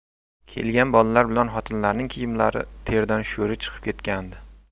kelgan bolalar bilan xotinlarning kiyimlari terdan sho'ri chiqib ketgandi